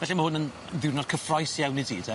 Felly ma' hwn yn yn ddiwrnod cyffrous iawn i ti te?